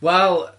Wel...